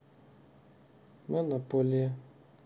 монополия